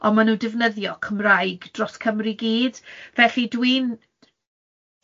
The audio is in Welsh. Ond maen nhw'n defnyddio Cymraeg dros Cymru i gyd, felly dwi'n